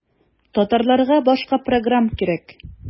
Татарларга башка программ кирәк.